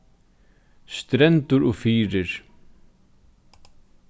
strendur og firðir